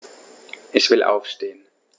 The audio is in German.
Ich will aufstehen.